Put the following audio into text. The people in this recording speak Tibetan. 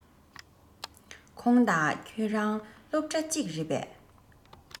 ཁོང དང ཁྱོད རང སློབ གྲྭ གཅིག རེད པས